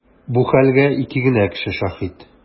Бу хәлгә ике генә кеше шаһит.